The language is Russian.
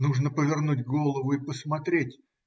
Нужно повернуть голову и посмотреть.